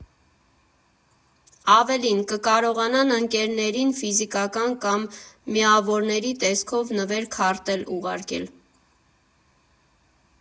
Ավելին՝ կկարողանան ընկերներին ֆիզիկական կամ միավորների տեսքով նվեր քարտել ուղարկել։